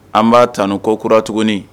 An b' tanu kokura tuguni